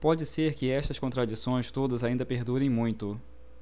pode ser que estas contradições todas ainda perdurem muito